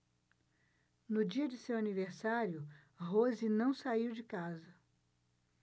no dia de seu aniversário rose não saiu de casa